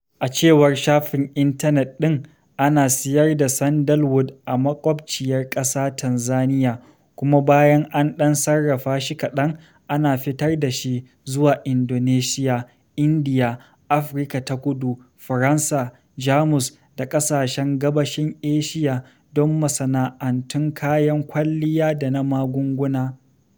A cewar shafin intanet ɗin, ana siyar da sandalwood a maƙwabciyar ƙasa Tanzania kuma bayan an ɗan sarrafa shi kaɗan, ana fitar da shi "zuwa Indonesia, India, Afirka ta Kudu, Faransa, Jamus da ƙasashen gabashin Asiya don masana’antun kayan kwalliya da na magunguna".